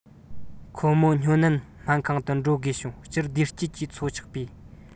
ཁོ མོ སྨྱོ ནད སྨན ཁང དུ འགྲོ དགོས བྱུང སྤྱིར བདེ སྐྱིད ཀྱིས འཚོ ཆོག པའི